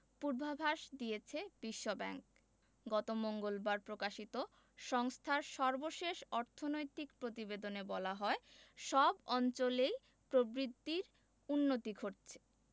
পূর্বাভাস দিয়েছে বিশ্বব্যাংক গত মঙ্গলবার প্রকাশিত সংস্থার সর্বশেষ অর্থনৈতিক প্রতিবেদনে বলা হয় সব অঞ্চলেই প্রবৃদ্ধির উন্নতি ঘটছে